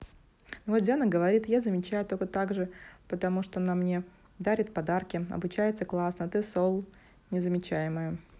ну вот диана говорит я замечаю только также потому что она мне дарит подарки обучается классная а ты soul незамечаемая